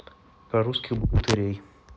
про русских богатырей